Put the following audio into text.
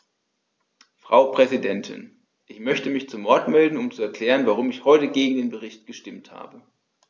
Frau Präsidentin, ich möchte mich zu Wort melden, um zu erklären, warum ich heute gegen den Bericht gestimmt habe.